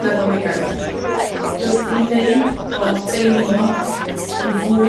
Nadoligaidd, jyst i neud o deimlo yn fwy